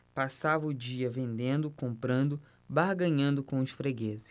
passava o dia vendendo comprando barganhando com os fregueses